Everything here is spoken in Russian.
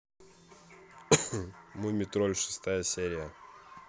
мумий тролль шестая серия